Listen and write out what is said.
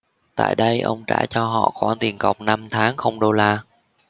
tại đây ông trả cho họ khoản tiền cọc năm tháng không đô la